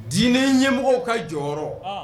Dinɛ ɲɛmɔgɔw ka jɔyɔrɔ